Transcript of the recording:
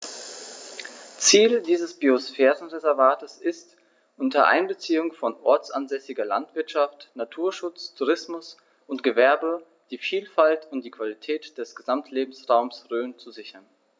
Ziel dieses Biosphärenreservates ist, unter Einbeziehung von ortsansässiger Landwirtschaft, Naturschutz, Tourismus und Gewerbe die Vielfalt und die Qualität des Gesamtlebensraumes Rhön zu sichern.